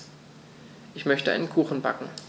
Ich möchte einen Kuchen backen.